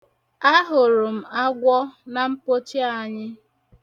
Ahụrụ m agwọ na mpochi anyị.